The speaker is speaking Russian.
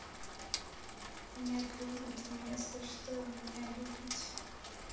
нет любим ты меня за что меня любить